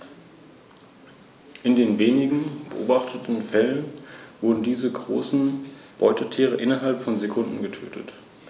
Über das Ansehen dieser Steuerpächter erfährt man etwa in der Bibel.